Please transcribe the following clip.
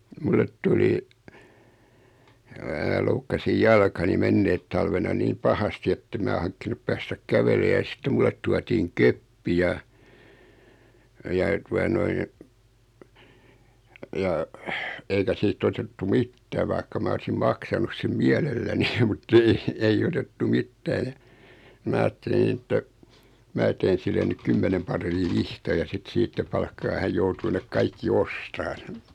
minulle tuli minä loukkasin jalkani menneenä talvena niin pahasti että en minä hankkinut päästä kävelemään ja sitten minulle tuotiin keppi ja ja tuota noin ja eikä siitä' otettu mitään vaikka minä olisin maksanut sen mielelläni mutta ei ei otettu mitään ja minä ajattelin että minä teen sille nyt kymmenen paria vihtoja sitten siitä palkkaa hän joutuu ne kaikki ostamaan